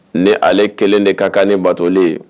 Ni ale kelen de ka kan ne batolen ye